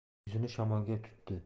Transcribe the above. yuzini shamolga tutdi